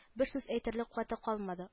Бер сүз әйтерлек куәте калмады